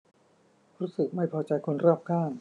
รู้สึกไม่พอใจคนรอบข้าง